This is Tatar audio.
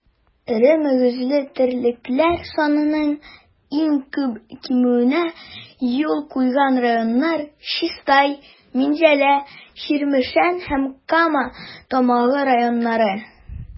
Эре мөгезле терлекләр санының иң күп кимүенә юл куйган районнар - Чистай, Минзәлә, Чирмешән һәм Кама Тамагы районнары.